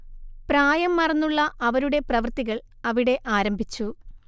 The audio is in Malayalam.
പ്രായം മറന്നുള്ള അവരുടെ പ്രവർത്തികൾ അവിടെ ആരംഭിച്ചു